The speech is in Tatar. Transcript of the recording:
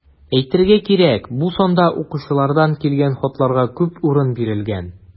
Әйтергә кирәк, бу санда укучылардан килгән хатларга күп урын бирелгән.